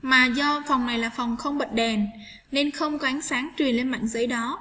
mà do phòng này là phòng không bật đèn nên không có ánh sáng truyền đến mảnh giấy đó